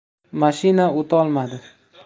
mashina o'tolmadi